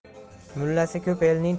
mullasi ko'p elning